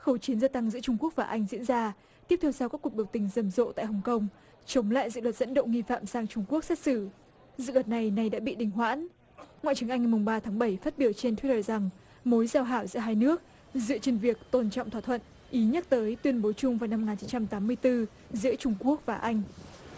khẩu chiến gia tăng giữa trung quốc và anh diễn da tiếp theo sau các cuộc biểu tình dầm dộ tại hồng công chống lại sẽ được dẫn độ nghi phạm sang trung quốc xét xử dự luật này này đã bị đình hoãn ngoại trưởng anh mùng ba tháng bảy phát biểu trên thuýt đờ dằng mối giao hảo giữa hai nước dựa trên việc tôn trọng thỏa thuận ý nhắc tới tuyên bố chung vào năm một ngàn chín trăm tám mươi tư giữa trung quốc và anh